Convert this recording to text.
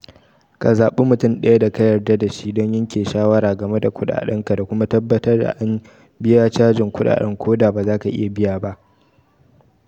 Zaka zabi mutum daya da ka yarda da shi don yanke shawara game da kudaden ka da kuma tabbatar da an biya cajin kudade koda bazaka iya biya ba.